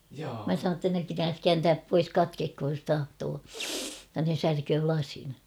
minä sanoin jotta ne pitää kääntää pois katketkoon jos tahtoo jotta ne särkee lasin